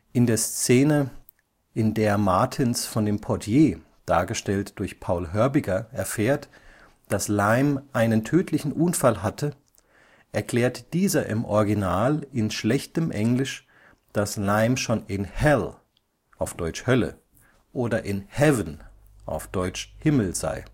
In der Szene, in der Martins von dem Portier (Paul Hörbiger) erfährt, dass Lime einen tödlichen Unfall hatte, erklärt dieser im Original in schlechtem Englisch, dass Lime schon in „ hell “(deutsch: Hölle) oder in „ heaven “(deutsch: Himmel) sei